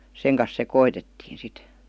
sen kanssa sekoitettiin sitten